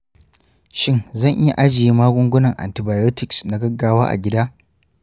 shin zan iya ajiye magungunan antibiotics na gaggawa a gida?